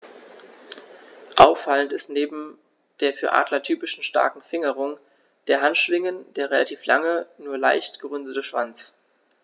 Auffallend ist neben der für Adler typischen starken Fingerung der Handschwingen der relativ lange, nur leicht gerundete Schwanz.